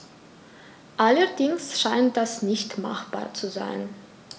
Allerdings scheint das nicht machbar zu sein.